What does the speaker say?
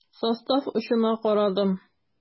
Состав очына карадым.